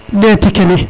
ɗeti kene